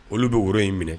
Olu be woro in minɛ